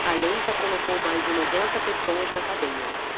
a lei já colocou mais de noventa pessoas na cadeia